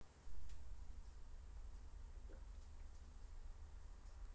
ты чего это буба